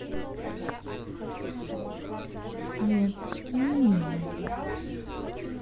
нет мне не могут